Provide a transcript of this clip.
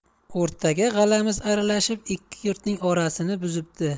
o'rtaga g'alamis aralashib ikki yurtning orasini buzibdi